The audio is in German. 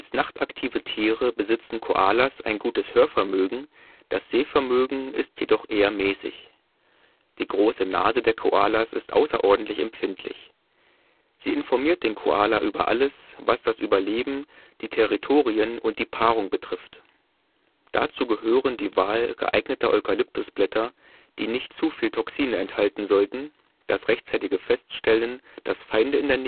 nachtaktive Tiere besitzen Koalas ein gutes Hörvermögen, das Sehvermögen ist jedoch eher mäßig. Die große Nase der Koalas ist außerordentlich empfindlich. Sie informiert den Koala über alles, was das Überleben, die Territorien und die Paarung betrifft. Dazu gehören die Wahl geeigneter Eukalyptusblätter, die nicht zu viel Toxine enthalten sollten, das rechtzeitige Feststellen, dass Feinde in der